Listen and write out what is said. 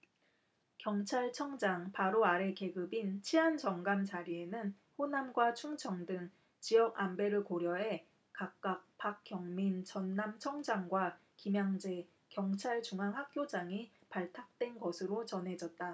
경찰청장 바로 아래 계급인 치안정감 자리에는 호남과 충청 등 지역 안배를 고려해 각각 박경민 전남청장과 김양제 경찰중앙학교장이 발탁된 것으로 전해졌다